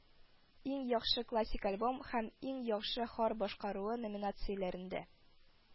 “иң яхшы классик альбом” һәм “иң яхшы хор башкаруы” номинацияләрендә